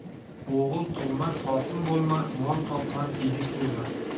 o'g'il tug'mas xotin bo'lmas mol topmas yigit bo'lmas